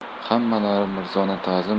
hammalari mirzoni tazim